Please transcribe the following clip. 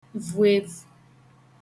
vù evū